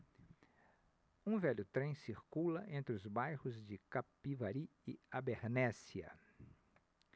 um velho trem circula entre os bairros de capivari e abernéssia